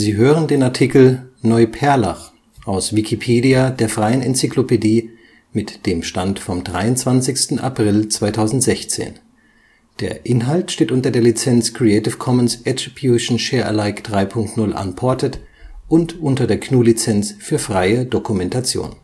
hören den Artikel Neuperlach, aus Wikipedia, der freien Enzyklopädie. Mit dem Stand vom Der Inhalt steht unter der Lizenz Creative Commons Attribution Share Alike 3 Punkt 0 Unported und unter der GNU Lizenz für freie Dokumentation